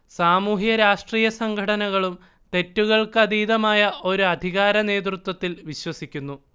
സാമൂഹ്യരാഷ്ട്രീയ സംഘടനകളും തെറ്റുകൾക്കതീതമായ ഒരു അധികാരനേതൃത്വത്തിൽ വിശ്വസിക്കുന്നു